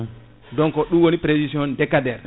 donc ɗum woni prévision décadaire